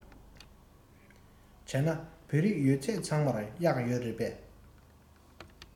བྱས ན བོད རིགས ཡོད ས ཚང མར གཡག ཡོད རེད པས